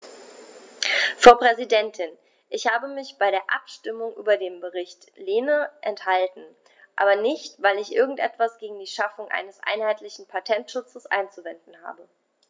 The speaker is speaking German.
Frau Präsidentin, ich habe mich bei der Abstimmung über den Bericht Lehne enthalten, aber nicht, weil ich irgend etwas gegen die Schaffung eines einheitlichen Patentschutzes einzuwenden habe.